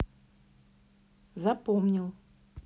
запомнил